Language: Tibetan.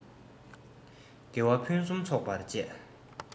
དགེ བ ཕུན སུམ ཚོགས པར སྤྱད